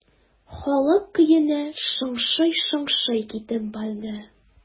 Халык көенә шыңшый-шыңшый китеп барды.